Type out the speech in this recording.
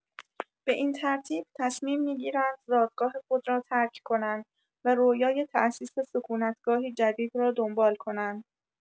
به این ترتیب تصمیم می‌گیرند زادگاه خود را ترک کنند و رویای تاسیس سکونت‌گاهی جدید را دنبال کنند.